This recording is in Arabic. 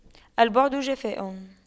البعد جفاء